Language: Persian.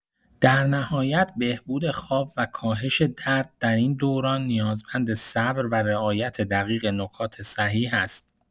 در نهایت، بهبود خواب و کاهش درد در این دوران نیازمند صبر و رعایت دقیق نکات صحیح است.